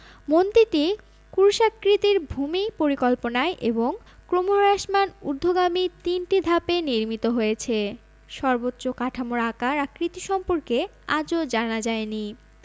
মন্দিরটি ক্রুশাকৃতির ভূমি পরিকল্পনায় এবং ক্রমহ্রাসমান ঊর্ধ্বগামী তিনটি ধাপে নির্মিত হয়েছে সর্বোচ্চ কাঠামোর আকার আকৃতি সম্পর্কে আজও জানা যায় নি